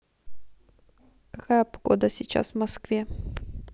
какая погода сейчас в москве